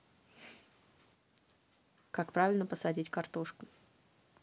как правильно посадить картошку